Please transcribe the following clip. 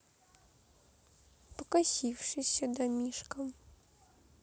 покосившийся домишка